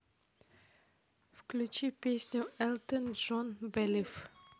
включи песню элтон джон белив